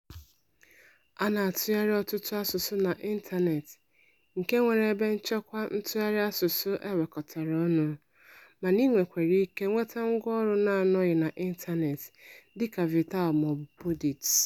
A na-atụgharị ọtụtụ asụsụ n'ịntanetị nke nwere ebe nchekwa ntụgharị asụsụ e wekọtaraọnụ, mana i nwekwara ike nweta ngwaọrụ na-anọghị n'ịntanetị dịka Virtaal maọbụ Poedit.